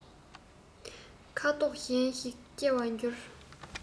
ཁ དོག གཞན ཞིག སྐྱེ བར འགྱུར